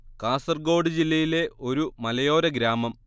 കാസർഗോഡ് ജില്ലയിലെ ഒരു മലയോര ഗ്രാമം